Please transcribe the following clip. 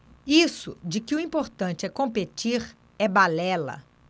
isso de que o importante é competir é balela